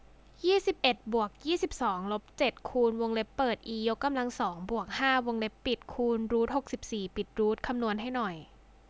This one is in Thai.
ยี่สิบเอ็ดบวกยี่สิบสองลบเจ็ดคูณวงเล็บเปิดอียกกำลังสองบวกห้าวงเล็บปิดคูณรูทหกสิบสี่ปิดรูทคำนวณให้หน่อย